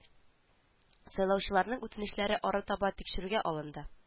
Сайлаучыларның үтенечләре арытаба тикшерүгә алынды